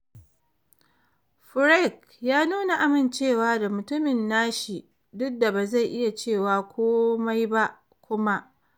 Furyk ya nuna amincewa da mutumin na shi, duk da ba zai iya cewa komai ba kuma.